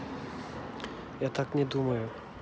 я так не думаю